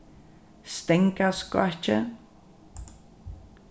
stangaskákið